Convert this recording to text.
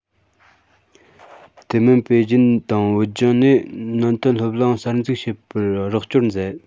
དེ མིན པེ ཅིན དང བོད ལྗོངས ནས ནང བསྟན སློབ གླིང གསར འཛུགས བྱས པར རོགས སྐྱོར མཛད